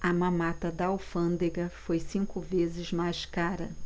a mamata da alfândega foi cinco vezes mais cara